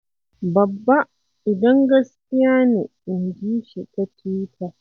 "Babba idan gaskiya ne," inji shi ta Twitter.